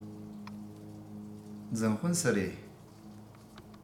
འཛིན དཔོན སུ རེད